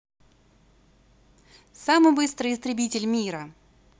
самый быстрый истребитель мира